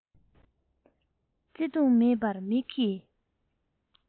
བརྩེ དུང མེད པར མིག གིས